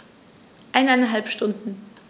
Eineinhalb Stunden